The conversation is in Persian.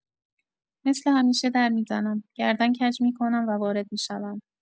مثل همیشه در می‌زنم، گردن کج می‌کنم و وارد می‌شوم.